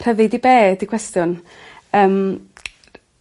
Rhyddid i be' 'di cwestiwn? Yym.